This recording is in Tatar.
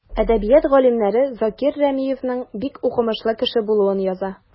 Әдәбият галимнәре Закир Рәмиевнең бик укымышлы кеше булуын яза.